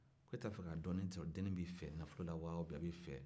e ta fɛ ka dɔn ni deni b'i fɛ nafolo la wa a bi fɛ de